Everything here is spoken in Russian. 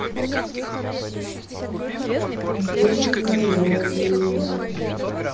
песня лазарева